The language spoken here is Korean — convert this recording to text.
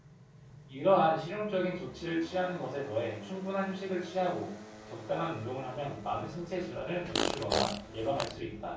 이러한 실용적인 조처를 취하는 것에 더해 충분한 휴식을 취하고 적당한 운동을 하면 많은 신체 질환을 늦추거나 예방할 수 있다